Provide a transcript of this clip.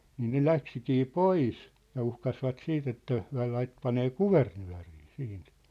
niin ne lähtikin pois ja uhkasivat sitten että he - panee kuvernööriin siitä